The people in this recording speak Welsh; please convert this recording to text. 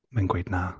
Mae'n gweud na.